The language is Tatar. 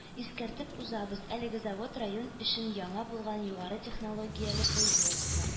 Искәртеп узабыз, әлеге завод – район өчен яңа булган югары технологияле производство